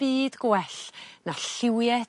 byd gwell na lliwie